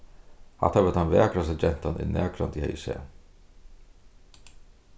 hatta var tann vakrasta gentan eg nakrantíð hevði sæð